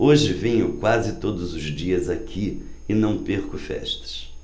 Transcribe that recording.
hoje venho quase todos os dias aqui e não perco festas